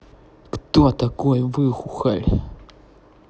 кто такой выхухоль